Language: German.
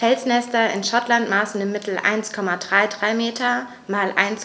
Felsnester in Schottland maßen im Mittel 1,33 m x